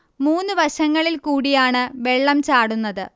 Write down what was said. മൂന്നു വശങ്ങളിൽ കൂടിയാണ് വെള്ളം ചാടുന്നത്